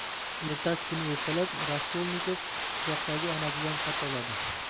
ertasi kuni ertalab raskolnikov qishloqdagi onasidan xat oladi